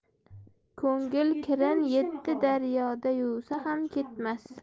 ko'ngil kirin yetti daryoda yuvsa ham ketmas